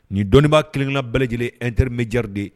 Nin dɔnnibaa keleninna bɛɛ lajɛlen terirremeejadiri de